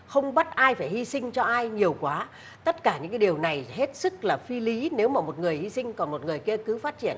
không bắt ai phải hy sinh cho ai nhiều quá tất cả những cái điều này hết sức là phi lý nếu mà một người hy sinh của một người kia cứ phát triển